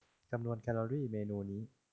คำนวณแคลอรี่เมนูนี้